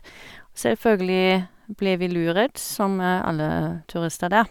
Selvfølgelig ble vi lurt, som alle turister der.